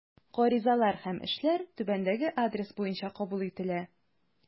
Гаризалар һәм эшләр түбәндәге адрес буенча кабул ителә.